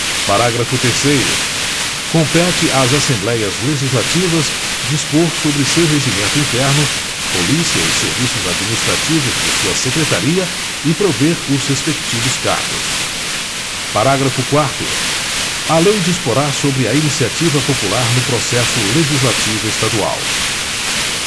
parágrafo terceiro compete às assembléias legislativas dispor sobre seu regimento interno polícia e serviços administrativos de sua secretaria e prover os respectivos cargos parágrafo quarto a lei disporá sobre a iniciativa popular no processo legislativo estadual